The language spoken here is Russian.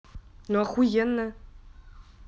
ну охуенно